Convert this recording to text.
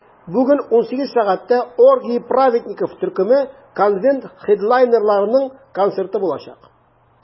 Бүген 18 сәгатьтә "Оргии праведников" төркеме - конвент хедлайнерларының концерты булачак.